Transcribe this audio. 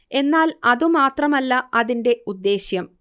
എന്നാൽ അതു മാത്രമല്ല അതിന്റെ ഉദ്ദേശ്യം